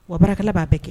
Wa baarakala b'a bɛɛ kɛ